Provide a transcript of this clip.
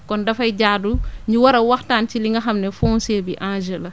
kon dafay jaadu ñu war a waxtaan ci li nga xam ne foncier bi enjeu la